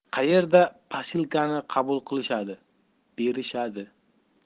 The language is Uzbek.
qayerda posilkani qabul qilishadi berishadi